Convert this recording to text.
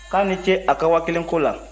k'a ni ce a la waakelenko la